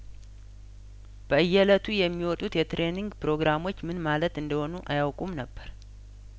በእየለቱ የሚወጡትን የትሬይኒንግ ፕሮግራሞችምን ማለት እንደሆኑ አያውቁም ነበር